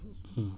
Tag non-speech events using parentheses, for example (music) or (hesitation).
(hesitation)